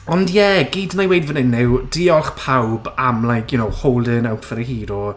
Ond ie, gyd wna i weud fan hyn yw diolch pawb am like, you know, holding out for a hero.